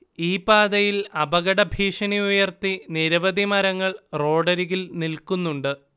ഈപാതയിൽ അപകടഭീഷണിയുയർത്തി നിരവധി മരങ്ങൾ റോഡരികിൽ നിൽക്കുന്നുണ്ട്